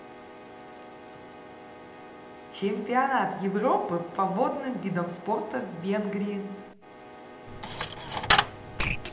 чемпионат европы по водным видам спорта в венгрии